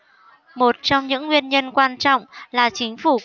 một trong những nguyên nhân quan trọng là chính phủ